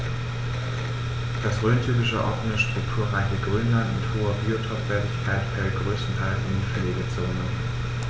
Das rhöntypische offene, strukturreiche Grünland mit hoher Biotopwertigkeit fällt größtenteils in die Pflegezone.